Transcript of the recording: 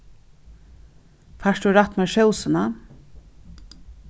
fært tú rætt mær sósina